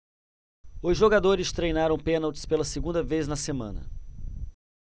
os jogadores treinaram pênaltis pela segunda vez na semana